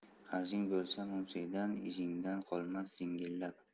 qarzing bo'lsa mumsikdan izingdan qolmas zingillab